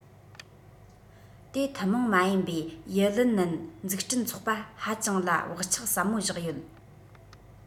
དེའི ཐུན མོང མ ཡིན པའི ཡི ལིན ནན འཛུགས སྐྲུན ཚོགས པ ཧ ཅང ལ བག ཆགས ཟབ མོ བཞག ཡོད